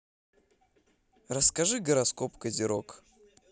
расскажи гороскоп козерог